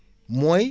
mooy